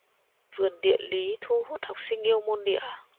vườn địa lý thu hút học sinh yêu môn địa